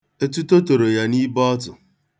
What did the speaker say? Etuto toro ya n'ibeọtụ.